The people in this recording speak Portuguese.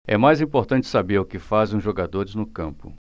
é mais importante saber o que fazem os jogadores no campo